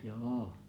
joo